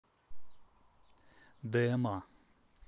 дма